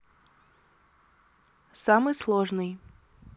самый сложный